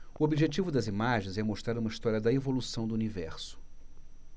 o objetivo das imagens é mostrar uma história da evolução do universo